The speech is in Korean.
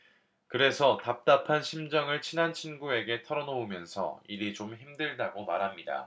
그래서 답답한 심정을 친한 친구에게 털어놓으면서 일이 좀 힘들다고 말합니다